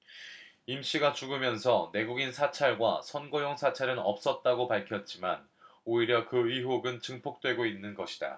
임씨가 죽으면서 내국인 사찰과 선거용 사찰은 없었다고 밝혔지만 오히려 그 의혹은 증폭되고 있는 것이다